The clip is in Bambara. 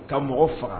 Ka mɔgɔ faga